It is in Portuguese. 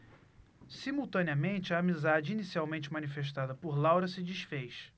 simultaneamente a amizade inicialmente manifestada por laura se disfez